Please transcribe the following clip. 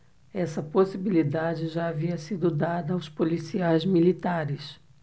essa possibilidade já havia sido dada aos policiais militares